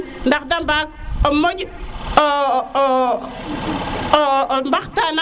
ndax de mbag o monj o mbax tana ndoor